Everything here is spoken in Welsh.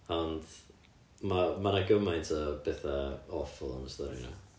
ond ma- ma' 'na gymaint o betha awful yn y stori yna